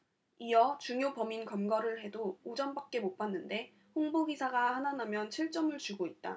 이어 중요 범인 검거를 해도 오 점밖에 못 받는데 홍보 기사가 하나 나면 칠 점을 주고 있다